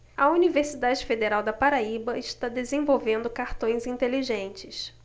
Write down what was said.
a universidade federal da paraíba está desenvolvendo cartões inteligentes